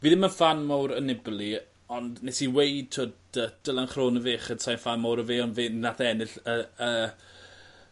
fi ddim yn ffan mawr o Nibali ond nes i weud t'wod yy Dylan Groenewegen sai'n ffan mowr o fe on' fe nath ennill y y